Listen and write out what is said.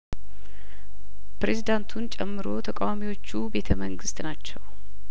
ፕሬዝዳንቱን ጨምሮ ተቃዋሚዎቹ ቤተ መንግስት ናቸው